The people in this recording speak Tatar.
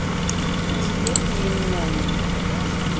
Илле тиеннән.